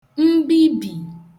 mbibì